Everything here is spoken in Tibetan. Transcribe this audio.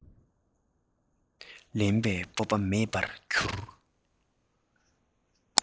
ལེན པའི སྤོབས པ མེད པར གྱུར